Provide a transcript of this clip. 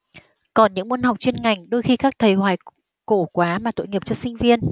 còn những môn học chuyên ngành đôi khi các thầy hoài cổ quá mà tội nghiệp cho sinh viên